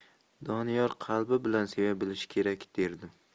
doniyor qalbi bilan seva bilish kerak derdim